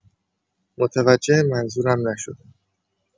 متوجه منظورم نشد.